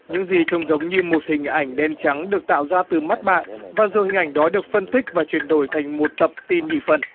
những gì trông giống như một hình ảnh đen trắng được tạo ra từ mắt bạn và rồi hình ảnh đó được phân tích và chuyển đổi thành một tập tin nhị phân